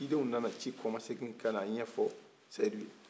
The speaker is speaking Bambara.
ci denw nana ci kɔma segin ka na ɲɛ fɔ seyidu ye